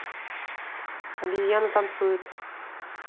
обезьяна танцует